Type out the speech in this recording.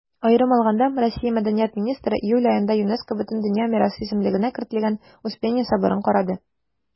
Аерым алганда, Россия Мәдәният министры июль аенда ЮНЕСКО Бөтендөнья мирасы исемлегенә кертелгән Успенья соборын карады.